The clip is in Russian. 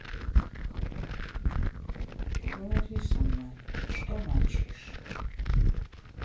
поговори со мной что молчишь